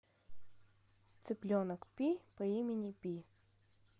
цыпленок пи по имени пи